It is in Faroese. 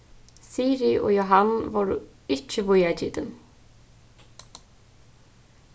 sirið og jóhan vóru ikki víðagitin